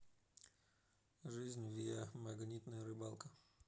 жизнь виа магнитная рыбалка